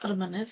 Ar y mynydd.